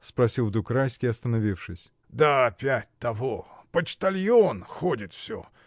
— спросил вдруг Райский, остановившись. — Да опять того. почтальон ходит всё.